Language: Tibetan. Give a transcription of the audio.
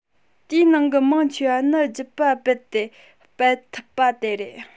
དེའི ནང གི མང ཆེ བ ནི རྒྱུད པ རྦད དེ སྤེལ ཐུབ པ དེ རེད